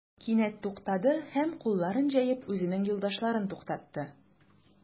Кинәт туктады һәм, кулларын җәеп, үзенең юлдашларын туктатты.